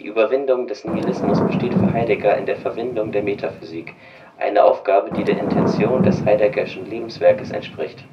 Überwindung des Nihilismus besteht für Heidegger in der „ Verwindung “der Metaphysik. Eine Aufgabe, die der Intention des Heideggerschen Lebenswerkes entspricht